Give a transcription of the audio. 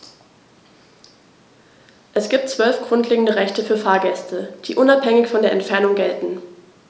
Es gibt 12 grundlegende Rechte für Fahrgäste, die unabhängig von der Entfernung gelten.